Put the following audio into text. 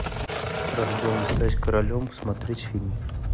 рожденный стать королем смотреть фильм